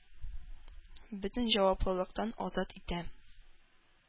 Бөтен җаваплылыктан азат итә.